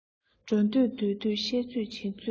འགྲོ ཚོད སྡོད ཚོད བཤད ཚོད བྱེད ཚོད དང